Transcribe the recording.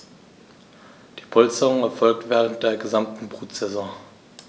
Diese Polsterung erfolgt während der gesamten Brutsaison.